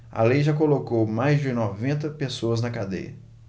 a lei já colocou mais de noventa pessoas na cadeia